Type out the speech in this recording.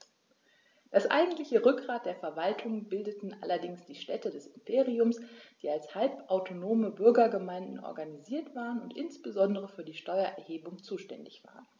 Das eigentliche Rückgrat der Verwaltung bildeten allerdings die Städte des Imperiums, die als halbautonome Bürgergemeinden organisiert waren und insbesondere für die Steuererhebung zuständig waren.